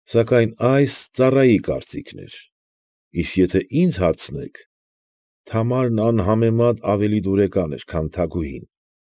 Սակայն այս ֊ ծառայի կարծիքն էր, իսկ եթե ինձ հարցնեք, Թամարն անհամեմատ ավելի դուրեկան էր, քան Թագուհին։